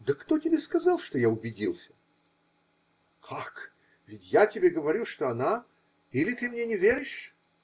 -- Да кто тебе сказал, что я убедился? -- Как? Ведь я тебе говорю, что она. Или ты мне не веришь?